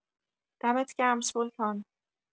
دمت گرم سلطان